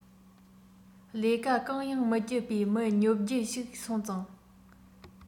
ལས ཀ གང ཡང མི སྒྱིད པའི མི ཉོབ སྒྱེ ཞིག སོང ཙང